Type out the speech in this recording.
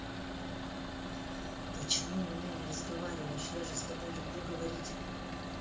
почему мне не разговариваешь я же с тобой люблю говорить